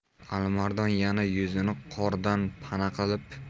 alimardon yana yuzini qordan pana qilib